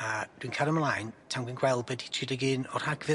a dwi'n cario mlaen tan wi'n gweld be' 'di tri deg un o Rhagfyr.